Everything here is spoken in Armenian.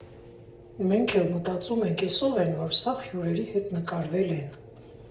Մենք էլ մտածում ենք՝ էս ո՞վ են, որ սաղ հյուրերի հետ նկարվել են։